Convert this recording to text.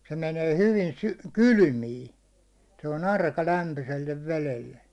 se menee hyvin - kylmiin se on arka lämpöiselle vedelle